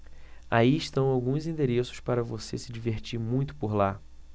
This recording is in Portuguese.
aí estão alguns endereços para você se divertir muito por lá